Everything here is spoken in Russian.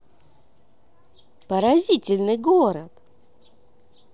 поразительный город